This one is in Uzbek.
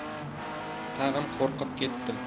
tag'in qo'rqib ketdim